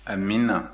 amiina